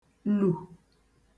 lù